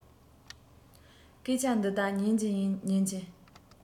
སྐད ཆ འདི དག ཉན གྱིན ཉན གྱིན